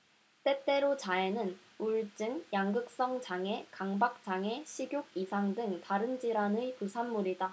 때때로 자해는 우울증 양극성 장애 강박 장애 식욕 이상 등 다른 질환의 부산물이다